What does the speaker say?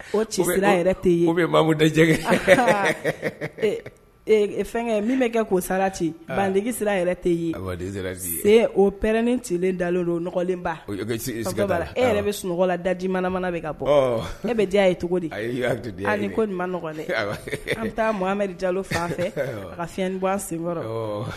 O ci sira tɛ yenjɛgɛ fɛnkɛ min bɛ kɛ k'o sarati bandeigi sira yɛrɛ tɛ yen e o pɛrɛn ni cilen dalen donlenba e yɛrɛ bɛ sunɔgɔla daji mana mana bɛ ka bɔ ne bɛ diya ye cogo di ko ma nɔgɔ an bɛ taahameri jalo fan fɛ kafi gan sen